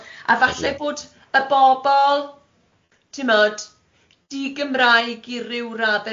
A falle bod y bobl timod di-Gymraeg i ryw radde sydd